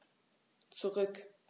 Zurück.